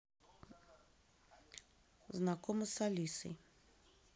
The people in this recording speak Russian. знакома с алисой